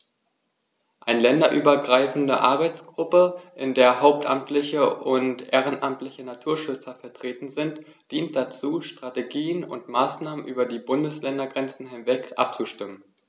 Eine länderübergreifende Arbeitsgruppe, in der hauptamtliche und ehrenamtliche Naturschützer vertreten sind, dient dazu, Strategien und Maßnahmen über die Bundesländergrenzen hinweg abzustimmen.